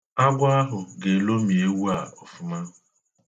Agwo ahụ ga-elomi ewu a ọfụma.